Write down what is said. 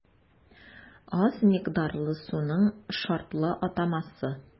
Аз микъдарлы суның шартлы атамасы.